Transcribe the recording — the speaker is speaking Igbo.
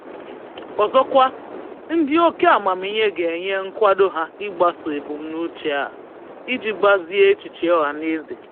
Ọzọkwa, ndị oke amamiihe ga-enye nkwado ha ịgbaso ebumnuche a, iji gbazie echiche ọhanaeze.